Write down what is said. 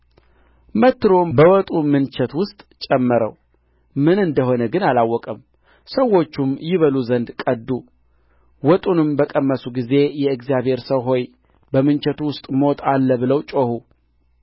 አንዱም ቅጠላቅጠል ያመጣ ዘንድ ወደ ሜዳ ወጣ የምድረበዳውንም ሐረግ አገኘ ከዚያም የበረሀ ቅል ሰበሰበ ልብሱንም ሞልቶ ተመለሰ